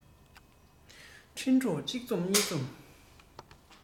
འཕྲིན གྲོགས གཅིག འཛོམས གཉིས འཛོམས